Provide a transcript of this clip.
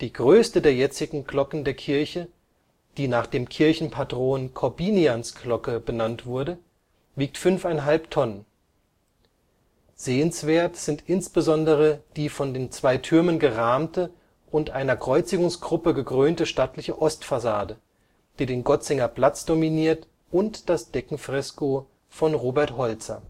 größte der jetzigen Glocken der Kirche, die nach dem Kirchenpatron Korbiniansglocke benannt wurde, wiegt fünfeinhalb Tonnen. Sehenswert sind insbesondere die von zwei Türmen gerahmte und einer Kreuzigungsgruppe gekrönte stattliche Ostfassade, die den Gotzinger Platz dominiert, und das Deckenfresko von Robert Holzer